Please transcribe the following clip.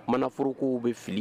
Manaforo kow bɛ fili